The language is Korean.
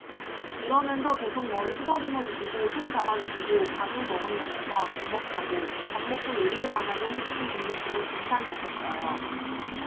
이러면서 계속 머리 쓰다듬어주시고 손 잡아주시고 밥은 먹었냐면서 밥 먹자고 밥 먹고 얘기 좀 하자고 해 주신 분이 제일 인상 깊었어요